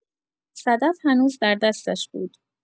صدف هنوز در دستش بود.